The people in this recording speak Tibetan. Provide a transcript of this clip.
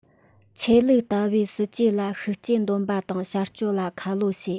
ཆོས ལུགས ལྟ བས སྲིད ཇུས ལ ཤུགས རྐྱེན འདོན པ དང བྱ སྤྱོད ལ ཁ ལོ བྱེད